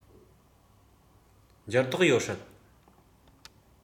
འགྱུར ལྡོག ཡོད སྲིད